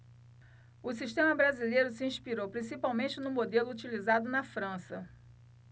o sistema brasileiro se inspirou principalmente no modelo utilizado na frança